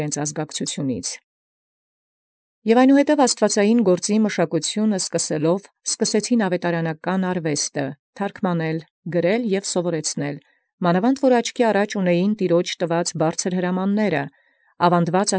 Կորյուն Եւ ի ձեռն առեալ այնուհետև աստուածագործ մշակութեամբ զաւետարանական արուեստն՝ ի թարգմանել, ի գրել և յուսուցանել. մանաւանդ հայեցեալ ի տեառնաբարբառ հրամանացն բարձրութիւնն, որ առ երանելին։